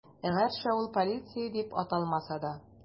Гәрчә ул полиция дип аталмаса да.